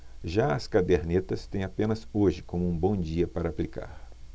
já as cadernetas têm apenas hoje como um bom dia para aplicar